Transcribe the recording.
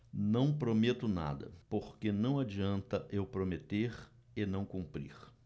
não prometo nada porque não adianta eu prometer e não cumprir